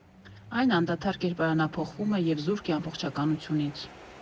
Այն անդադար կերպարանափոխվում է և զուրկ է ամբողջականությունից։